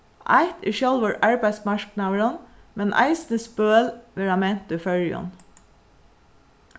eitt er sjálvur arbeiðsmarknaðurin men eisini spøl verða ment í føroyum